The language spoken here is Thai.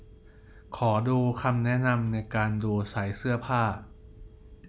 ขอดูคำแนะนำในการดูไซส์เสื้อผ้า